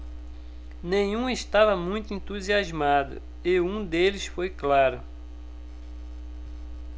nenhum estava muito entusiasmado e um deles foi claro